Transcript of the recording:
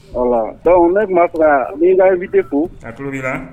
An b'a! Donc ne tun b'a fɛ ka, m'i ka invité fɔ. A tulo b'i la.